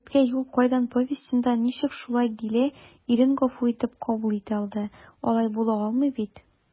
«бәхеткә юл кайдан» повестенда ничек шулай дилә ирен гафу итеп кабул итә алды, алай була алмый бит?»